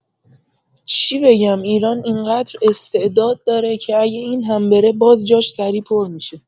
چی بگم ایران اینقدر استعداد داره که اگه این هم بره باز جاش سریع پر می‌شه